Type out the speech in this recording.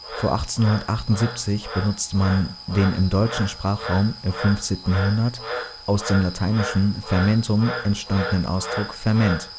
Vor 1878 benutzte man den im deutschen Sprachraum im 15. Jahrhundert aus dem lateinischen fermentum entstandenen Ausdruck Ferment